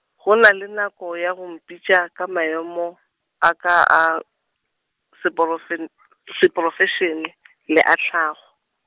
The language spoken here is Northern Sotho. go na le nako ya go mpitša ka maemo , a ka a, seprorofen- , seprofešene, le a tlhago.